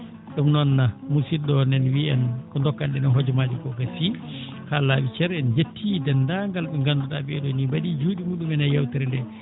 Ɗum noon musidɗo o no wiya ko ndokkano ɗen e hojomaaji koo gasi haa laaɓii cer en njetti deenndaangal ɓe ngannduɗaa ɓee ɗoo nii mbaɗii juuɗe mumen e yeewtere ndee